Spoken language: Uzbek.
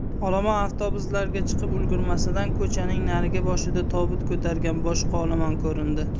olomon avtobuslarga chiqib ulgurmasidan ko'chaning narigi boshida tobut ko'targan boshqa olomon ko'rindi